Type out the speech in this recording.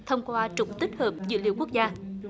thông qua trục tích hợp dữ liệu quốc gia